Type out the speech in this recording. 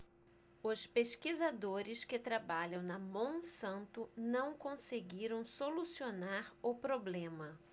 os pesquisadores que trabalham na monsanto não conseguiram solucionar o problema